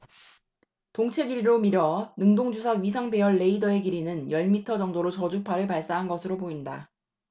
동체 길이로 미뤄 능동주사 위상 배열 레이더의 길이는 열 미터 정도로 저주파 를 발사할 것으로 보인다